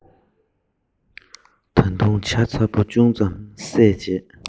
ད དུང ཇ ཚ པོ ཅུང ཙམ བསྲེས རྗེས